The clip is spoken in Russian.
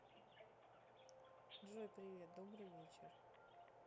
джой привет добрый вечер